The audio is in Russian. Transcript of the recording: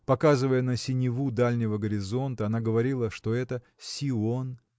Показывая на синеву дальнего горизонта, она говорила, что это Сион.